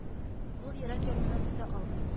Ул йөрәк януына түзә алмый